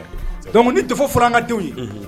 Dɔnku ni dɔ fɔra an ka denw ye